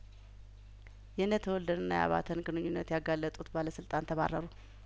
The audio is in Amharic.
የእነ ተወልደንና የአባተን ግንኙነት ያጋለጡት ባለስልጣን ተባረሩ